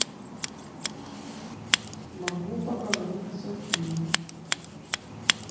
могу поговорить с афиной